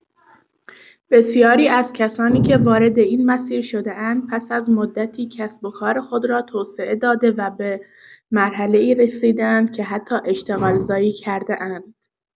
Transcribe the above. بسیاری از کسانی که وارد این مسیر شده‌اند، پس از مدتی کسب‌وکار خود را توسعه داده و به مرحله‌ای رسیده‌اند که حتی اشتغال‌زایی کرده‌اند.